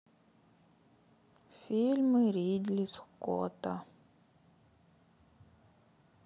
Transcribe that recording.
фильмы ридли скотта